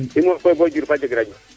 i mmof koy bo Diouroupa jeg Radio